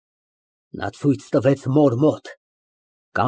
ՄԱՐԳԱՐԻՏ ֊ Ինչպես երևում է, շատ մեծ կարծիք ունիս քո մասնագիտության մասին։